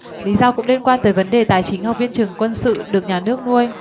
lý do cũng liên quan tới vấn đề tài chính học viên trường quân sự được nhà nước nuôi